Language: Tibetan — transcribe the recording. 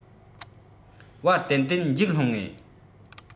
བར ཏན ཏན འཇིགས སློང ངེས